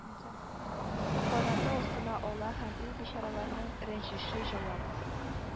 Канаты астына ала һәм ул бичараларның рәнҗеше җа ап